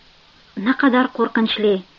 naqadar qo'rqinchli